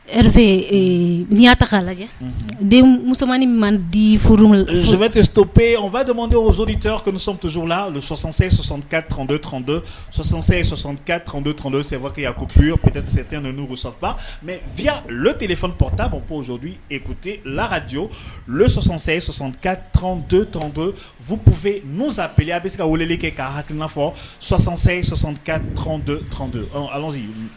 R n'i ya ta lajɛ den musomanmani man di furu tɛ to pe yen vjazodi tɛso la sɔsan sɔsɔka sɔsan sɔsɔ katɔn sɛ ko pyptesɛte n'usɔ mɛ viya tile pa t'azodi ekute lakaj sɔsɔsan sɔsɔ ka tɔntɔn ttɔn fupfɛ ninnusaple a bɛ se ka wele kɛ k'a haki n'afɔ sɔsansan sɔsɔ katɔn yiri